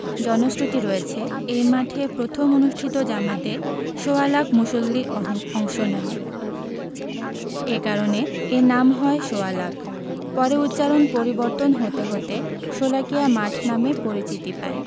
জনশ্রুতি রয়েছে এই মাঠে প্রথম অনুষ্ঠিত জামাতে সোয়া লাখ মুসল্লি অংশ নেন এ কারণে এর নাম হয় সোয়া লাখ পরে উচ্চারণ পরিবর্তন হতে হতে শোলাকিয়া মাঠ নামে পরিচিতি পায়